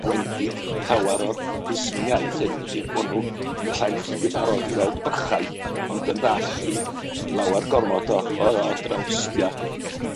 gwendid llawer o'r plismyn iaith hyn ydo bo' nw ella'n rhy barod i weld bychau, ond yn ddall i i lawer gormod o o o drawstia.